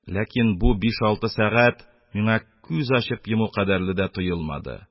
Ләкин бу биш-алты сәгать миңа күз ачып йому кадәрле дә тоелмады.